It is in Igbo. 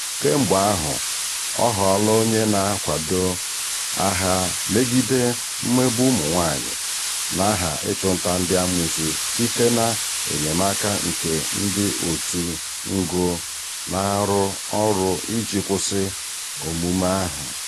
Kemgbe ahụ, ọ ghọọla onye na-akwado agha megide mmegbu ụmụ nwaanyị n'aha ịchụnta ndị amoosu site n'enyemaaka nke ndị òtù NGO na-arụ ọrụ iji kwụsị omume ahụ.